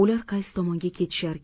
ular qaysi tomonga ketisharkin